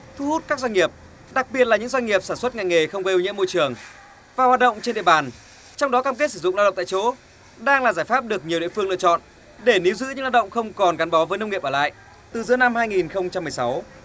thu hút các doanh nghiệp đặc biệt là những doanh nghiệp sản xuất ngành nghề không gây ô nhiễm môi trường và hoạt động trên địa bàn trong đó cam kết sử dụng lao động tại chỗ đang là giải pháp được nhiều địa phương lựa chọn để níu giữ những lao động không còn gắn bó với nông nghiệp ở lại từ giữa năm hai nghìn không trăm mười sáu